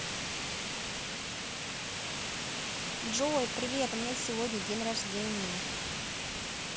джой привет у меня сегодня день рождения